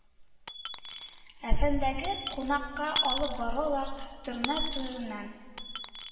Әфәндегә «кунак»ка алып барулар – төрмә түреннән», –